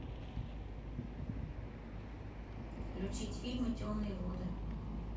включить фильм темные воды